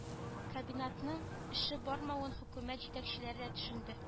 Комбинатның эше бармавын хөкүмәт җитәкчеләре дә төшенде